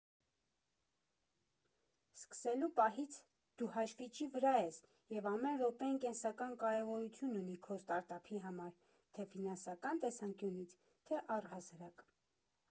Սկսելու պահից դու հաշվիչի վրա ես և ամեն րոպեն կենսական կարևորություն ունի քո ստարտափի համար, թե՛ ֆինանսական տեսանկյունից, թե՛ առհասարակ։